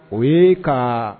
O ye ka